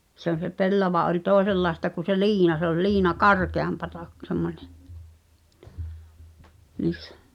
se on se pellava oli toisenlaista kuin se liina se oli liina karkeampaa - semmoinen niissä